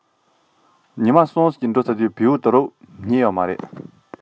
ཉིན གསུམ སོང རྗེས བེའུ ད དུང མ རྙེད པས